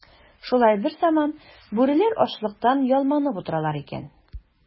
Шулай берзаман бүреләр ачлыктан ялманып утыралар икән.